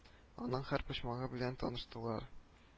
Аның һэр почмагы белән таныштылар